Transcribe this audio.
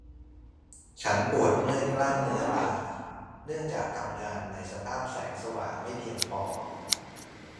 ฉันปวดเมื่อยกล้ามเนื้อตาเนื่องจากทำงานในสภาพแสงสว่างไม่เพียงพอ